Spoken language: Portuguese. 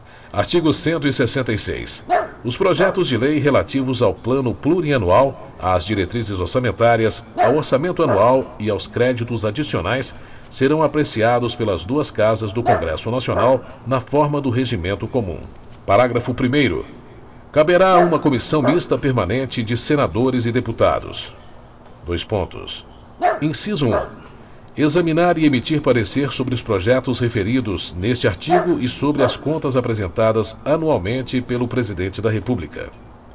artigo cento e sessenta e seis os projetos de lei relativos ao plano plurianual às diretrizes orçamentárias ao orçamento anual e aos créditos adicionais serão apreciados pelas duas casas do congresso nacional na forma do regimento comum parágrafo primeiro caberá a uma comissão mista permanente de senadores e deputados dois pontos inciso um examinar e emitir parecer sobre os projetos referidos neste artigo e sobre as contas apresentadas anualmente pelo presidente da república